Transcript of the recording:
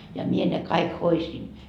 ja minä ne kaikki hoidin